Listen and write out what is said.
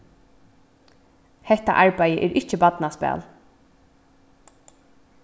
hetta arbeiðið er ikki barnaspæl